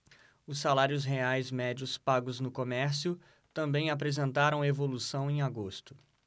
os salários reais médios pagos no comércio também apresentaram evolução em agosto